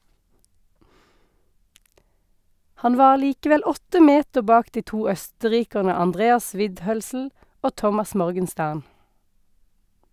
Han var likevel åtte meter bak de to østerrikerne Andreas Widhölzl og Thomas Morgenstern.